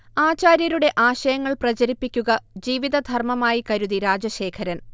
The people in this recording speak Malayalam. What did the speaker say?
ആചാര്യരുടെ ആശയങ്ങൾ പ്രചരിപ്പിക്കുക ജീവിതധർമമായി കരുതി രാജശേഖരൻ